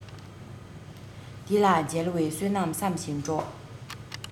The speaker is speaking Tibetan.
འདི ལ མཇལ བའི བསོད ནམས བསམ ཞིང སྤྲོ